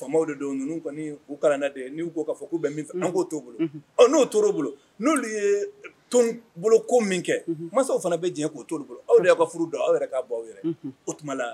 Faama de don ninnu kɔni u kalanna de n'u ko k'a fɔ k'u bɛ min fɛ an k'o t'u bolo ɔ n'o tor'u bolo n'olu ye toɔnboloko min kɛ mansaw fana bɛ jɛn k'o t'olu bolo aw yɛrɛ y'a ka furu don aw yɛrɛ k'a bɔ, unhun, o tuma la